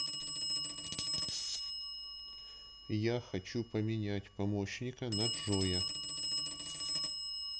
я хочу поменять помощника на джоя